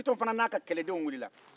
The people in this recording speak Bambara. bitɔn fana n'a ka kɛlɛdenw wilila